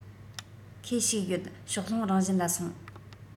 ཁོས ཞིག ཡོད ཕྱོགས ལྷུང རང བཞིན ལ སོང